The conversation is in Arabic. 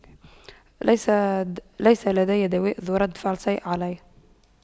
ليس ليس لدي دواء ذو رد فعل سيء علي